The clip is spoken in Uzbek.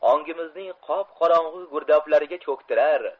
ongimizning qop qorong'u girdoblarig'a cho'ktirar